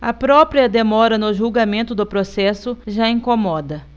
a própria demora no julgamento do processo já incomoda